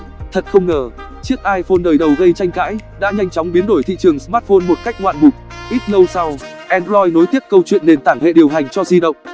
thật không ngờ chiếc iphone đời đầu gây tranh cãi đã nhanh chóng biến đổi thị trường smartphone một cách ngoạn mục ít lâu sau android nối tiếp câu chuyện nền tảng hệ điều hành cho di động